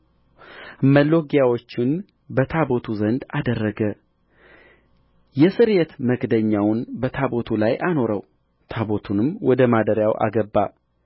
መሎጊያዎቹን በታቦቱ ዘንድ አደረገ የስርየት መክደኛውንም በታቦቱ ላይ አኖረው ታቦቱን ወደ ማደሪያው አገባ